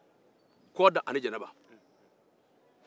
kɔda ani jɛnɛba